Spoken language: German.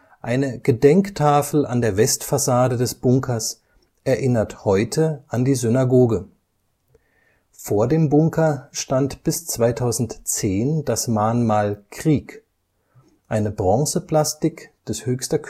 Eine Gedenktafel an der Westfassade des Bunkers erinnert heute an die Synagoge. Vor dem Bunker stand bis 2010 das Mahnmal „ Krieg “, eine Bronzeplastik des Höchster